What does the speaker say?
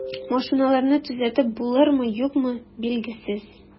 Машиналарны төзәтеп булырмы, юкмы, билгесез.